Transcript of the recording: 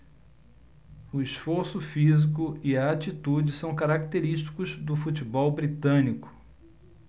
o esforço físico e a atitude são característicos do futebol britânico